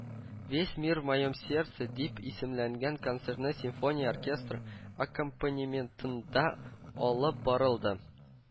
Весь мир в моем сердце” дип исемләнгән концертны симфония оркестры аккомпонементында алып барылды